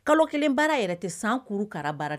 Kalo kelen baara yɛrɛ tɛ san kurukara baara kan